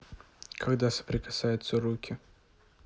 когда соприкасаются руки